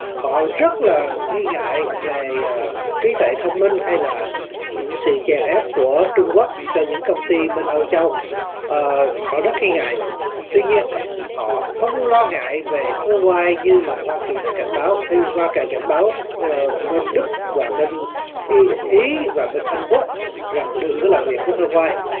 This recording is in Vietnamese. họ rất là nghi ngại về trí tuệ thông minh hay là những sự chèn ép của trung quốc cho những công ty bên âu châu ờ họ rất nghi ngại tuy nhiên họ không lo ngại về hơ oai như là hoa kỳ đã cảnh báo hoa kỳ cảnh báo bên đức và bên ý ý và bên anh quốc rằng đừng có làm việc với hơ oai